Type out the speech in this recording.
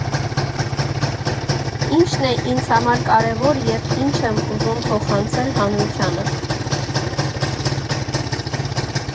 Ի՞նչն է ինձ համար կարևոր և ի՞նչ եմ ուզում փոխանցել հանրությանը։